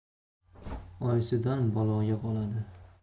oyisidan baloga qoladi